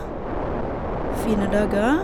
Fine dager.